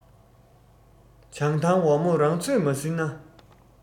བྱང ཐང ཝ མོ རང ཚོད མ ཟིན ན